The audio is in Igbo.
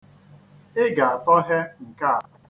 Ị ga-atọhe nke a.